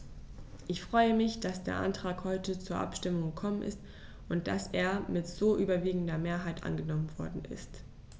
Ich freue mich, dass der Antrag heute zur Abstimmung gekommen ist und dass er mit so überwiegender Mehrheit angenommen worden ist.